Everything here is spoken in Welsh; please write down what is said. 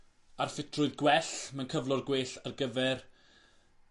ar ffitrwydd gwell mewn cyflwr gwell ar gyfer